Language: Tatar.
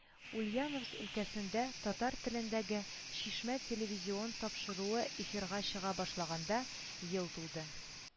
Ульяновск өлкәсендә татар телендәге “Чишмә” телевизион тапшыруы эфирга чыга башлаганга ел тулды